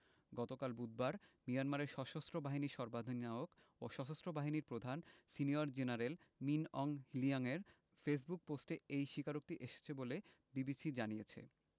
গতকাল বুধবার মিয়ানমার সশস্ত্র বাহিনীর সর্বাধিনায়ক ও সশস্ত্র বাহিনীর প্রধান সিনিয়র জেনারেল মিন অং হ্লিয়াংয়ের ফেসবুক পোস্টে এই স্বীকারোক্তি এসেছে বলে বিবিসি জানিয়েছে